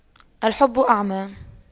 الحب أعمى